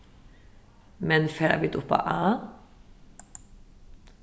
men fara vit upp á a